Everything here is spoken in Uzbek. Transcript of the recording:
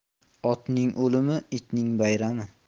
otning o'limi itning bayrami